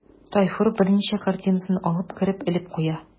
Тайфур берничә картинасын алып кереп элеп куя.